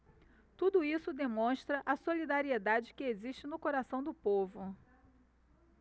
tudo isso demonstra a solidariedade que existe no coração do povo